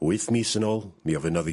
Wyth mis yn ôl mi ofynnodd i...